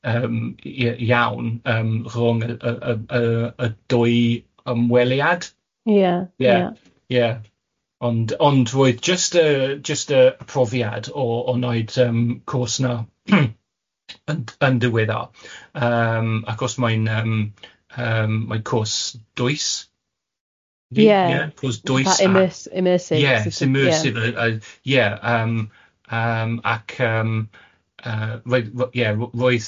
yym iawn yym rhwng y y y y dwy ymweliad... Ia. ...ia ia ond ond roedd jyst y jyst y y profiad o o wneud yym cwrs na yn yn diweddar yym ac os mae'n yym yym mae'n cwrs dwys.. Ie. ...cwrs dwys yym ... fatha Immersive immersive. ...ie immersive yy yy ie yym ac yym yy roedd- ie roedd-